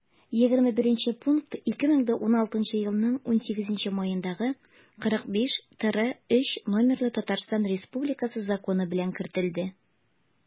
21 пункт 2016 елның 18 маендагы 45-трз номерлы татарстан республикасы законы белән кертелде